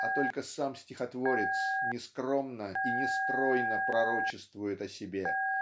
а только сам стихотворец нескромно и нестройно пророчествует о себе